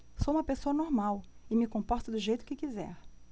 sou homossexual e me comporto do jeito que quiser